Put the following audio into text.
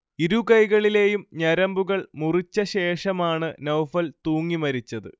ഇരു കൈകളിലെയും ഞരമ്പുകൾ മുറിച്ചശേഷമാണ് നൗഫൽ തൂങ്ങിമരിച്ചത്